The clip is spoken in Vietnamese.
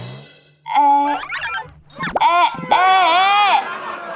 ê ê ê ê